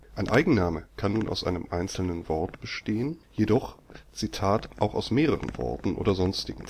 Ein Eigenname kann nun aus einem einzelnen Wort bestehen, jedoch „ auch aus mehreren Worten oder sonstigen